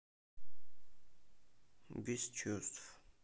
без чувств